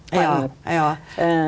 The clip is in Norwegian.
ja ja.